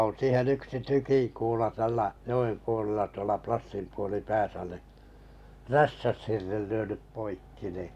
on siihen yksi tykinkuula tällä joen puolella tuolla Plassinpuolipäässä niin räystäshirren lyönyt poikki niin